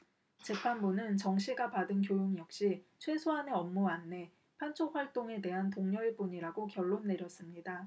재판부는 정씨가 받은 교육 역시 최소한의 업무 안내 판촉활동에 대한 독려일 뿐이라고 결론 내렸습니다